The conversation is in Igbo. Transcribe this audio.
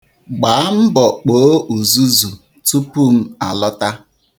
Gbaa mbọ kpoo uzuzu tupu m alọta.